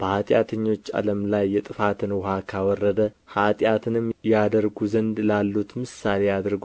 በኃጢአተኞች ዓለም ላይ የጥፋትን ውኃ ካወረደ ኃጢአትንም ያደርጉ ዘንድ ላሉት ምሳሌ አድርጎ